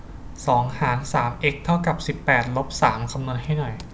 สองหารสามเอ็กซ์เท่ากับสิบแปดลบสามคำนวณให้หน่อย